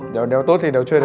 đéo đéo tốt thì đéo chơi